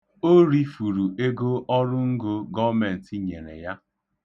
O rifuru ego ọrụngo gọọmentị nyere ya.